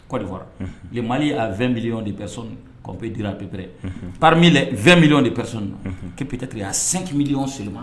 Kɔ de fɔra yen mali'2 miliyɔn de pɛs kapie dira pp pɛre miɛlɛ2 miliyɔn de pɛs ppti a senki miliy so ma